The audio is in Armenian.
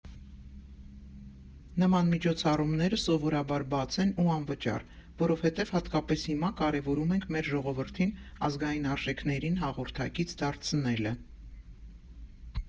Նման միջոցառումները սովորաբար բաց են ու անվճար, որովհետև հատկապես հիմա կարևորում ենք մեր ժողովրդին ազգային արժեքներին հաղորդակից դարձնելը։